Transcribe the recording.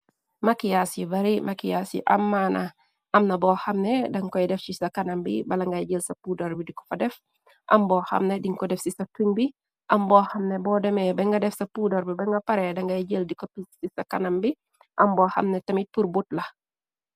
Makiaas yi bare makiyaas yi ammana. Amna boo xamne dankoy def ci sa kanam bi bala ngay jël ca pudor bi diko fa def. Am boo xamne din ko def ci sa tun bi. Am boo xamne boo demee benga def sa puudor bi ba nga paree dangay jël di ko p ci ca kanam bi am boo xamne tamit purbuut la.